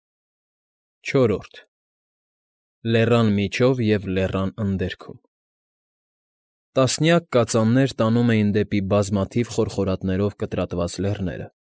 ԼԵՌԱՆ ՄԻՋՈՎ ԵՎ ԼԵՌԱՆ ԸՆԴԵՐՔՈՒՄ Տասնյակ կածաններ տանում էին դեպի բազմաթիվ խորխորատներով կտրատված լեռները։